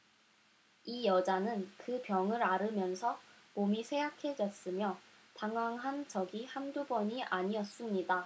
이 여자는 그 병을 앓으면서 몸이 쇠약해졌으며 당황한 적이 한두 번이 아니었습니다